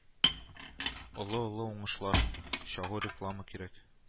Олы-олы уңышлар, чагу реклама кирәк